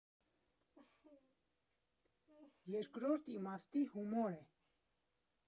Երկրորդ իմաստի հումոր է։